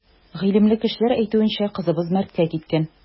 Гыйлемле кешеләр әйтүенчә, кызыбыз мәрткә киткән.